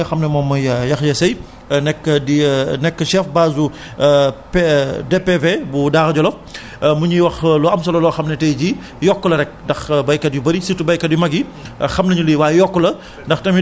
mbokku auditeurs yi may fàttali ba tay rekk maa ngi ànd ak ki nga xam ne moom mooy Yakhya Seuye nekk di nekk chef baazu P DPV bu Daara Djolof mu ñuy wax lu am solo loo xam ne tay jii yokk a rekk ndax baykat yu bëri surtout baykat yu mag yi